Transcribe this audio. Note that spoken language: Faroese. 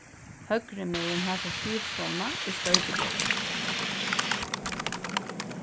høgrumegin hasa skrivstovuna er skoytubreytin